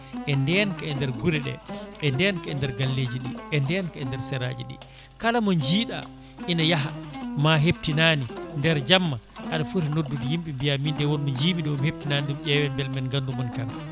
e ndenka e nder guure ɗe e ndenka e nder galleji ɗi e ndenka e nder saraji ɗi kala mo jiiɗa ene yaaha ma heptinani nder jamma aɗa footi noddude yimɓe mbiya min de wonmo jiimi ɗo mi heptinani ɗum ƴeewen beele men gandu moni kanko